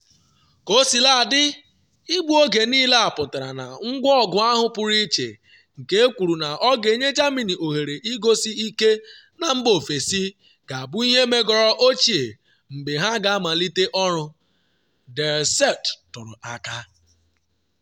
Kosiladị, igbu oge niile a pụtara na ngwa ọgụ ahụ pụrụ iche - nke ekwuru na ọ ga-enye Germany oghere igosi ike na mba ofesi -ga-abụ ihe megoro ochie mgbe ha ga-amalite ọrụ, Die Zelt tụrụ aka.